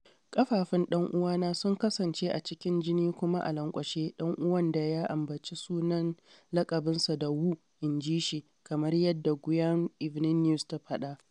“Ƙafafun dan uwana sun kasance a cikin jini kuma a lanƙwashe,” ɗan uwan ya ambaci sunan laƙabinsa da “Wu” inji shi, kamar yadda Guiyang Evening News ta fada.